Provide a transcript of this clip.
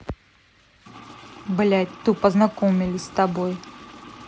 блядь тупо знакомились с тобой